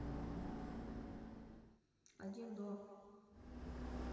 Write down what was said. один до